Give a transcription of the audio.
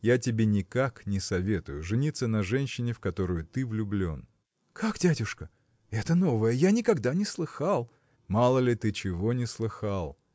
– Я тебе никак не советую жениться на женщине, в которую ты влюблен. – Как, дядюшка? это новое; я никогда не слыхал. – Мало ли ты чего не слыхал!